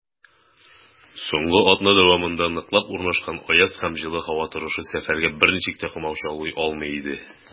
Соңгы атна дәвамында ныклап урнашкан аяз һәм җылы һава торышы сәфәргә берничек тә комачаулый алмый иде.